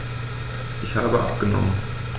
Ich habe abgenommen.